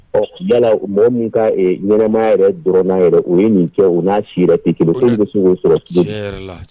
Ɔ O bɛ la mɔgɔ min ka ɲanamaya yɛrɛ dɔrɔn n'a yɛrɛ u ye nin kɛ u n'a si yɔrɔ tɛ kelen ye k'olu bɛ se ka sɔrɔ cogo di? Tiɲɛ yɛrɛ la.